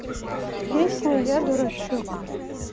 песня я дурачок